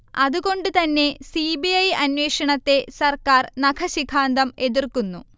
അതുകൊണ്ടു തന്നെ C. B. I അന്വേഷണത്തെ സർക്കാർ നഖശിഖാന്തം എതിർക്കുന്നു